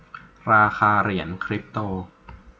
ราคาเหรียญคริปโต